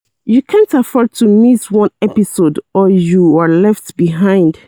You can't afford to miss one episode or you're left behind.